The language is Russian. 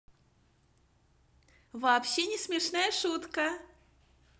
вообще не смешная шутка